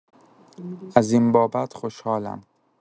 از این بابت خوشحالم.